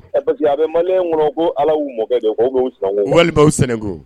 Parce que a bɛ malien kɔnɔ ko Ala y'u mɔkɛ de ye quoi walima u sanankun.